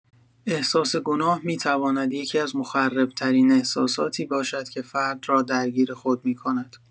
احساس گناه می‌تواند یکی‌از مخرب‌ترین احساساتی باشد که فرد را درگیر خود می‌کند.